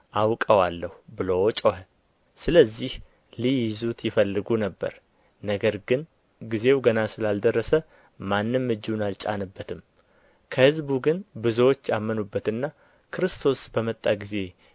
አውቀዋለሁ ብሎ ጮኸ ስለዚህ ሊይዙት ይፈልጉ ነበር ነገር ግን ጊዜው ገና ስላልደረሰ ማንም እጁን አልጫነበትም ከሕዝቡ ግን ብዙዎች አመኑበትና ክርስቶስ በመጣ ጊዜ